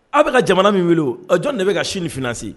Aw bɛ ka jamana min wele o, ɔ, jɔn de bɛ ka Chine_ financer _?